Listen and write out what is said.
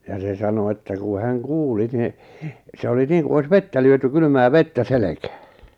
ja se sanoi että kun hän kuuli niin se oli niin kuin olisi vettä lyöty kylmää vettä selkään